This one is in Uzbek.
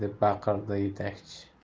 deb baqirdi yetakchi